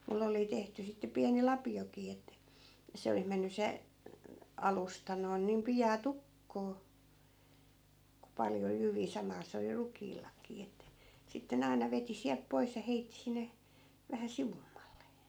minulle oli tehty sitten pieni lapiokin että se oli mennyt se alusta noin niin pian tukkoon kun paljon jyviä samaa se oli rukiillakin että sitten ne aina veti sieltä pois ja heitti sinne vähän sivummalle